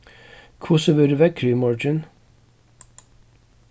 hvussu verður veðrið í morgin